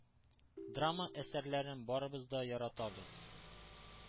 Драма әсәрләрен барыбыз да яратабыз.